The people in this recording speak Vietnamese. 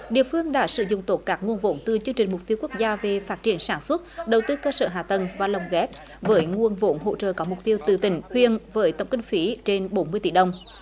địa phương đã sử dụng tốt các nguồn vốn từ chương trình mục tiêu quốc gia về phát triển sản xuất đầu tư cơ sở hạ tầng và lồng ghép với nguồn vốn hỗ trợ có mục tiêu từ tỉnh huyện với tổng kinh phí trên bốn mươi tỷ đồng